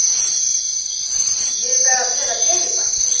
eg eri bara sera fegin beint nú